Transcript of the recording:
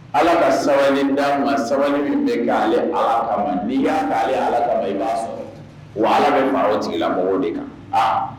Ala ka sabaliin da sabali min bɛ k'a a min' ala wa ala bɛ mɔgɔw jigin la mɔgɔw de kan